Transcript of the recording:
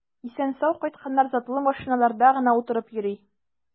Исән-сау кайтканнар затлы машиналарда гына утырып йөри.